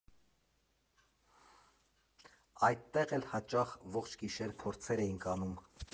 Այդտեղ էլ հաճախ ողջ գիշեր փորձեր էինք անում։